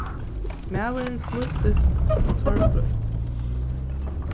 maðurin smíltist sorgblítt